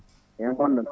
hen gonɗon